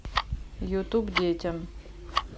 ютуб детям